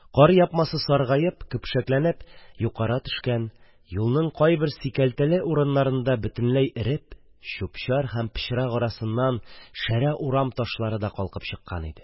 Кар япмасы саргая, көпшәкләнә төшкән, юлның кайбер сикәлтәле урыннарында бөтенләй эреп, чүп-чар һәм пычрак арасыннан шәрә урам ташлары калкып чыккан иде.